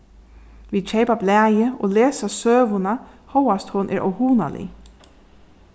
vit keypa blaðið og lesa søguna hóast hon er óhugnalig